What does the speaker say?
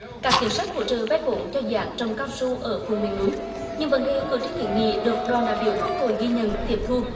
các chính sách hỗ trợ vay vốn cho dạng trồng cao su ở vùng miền núi nhưng vấn đề cử tri kiến nghị được đoàn đại biểu quốc hội ghi nhận tiếp thu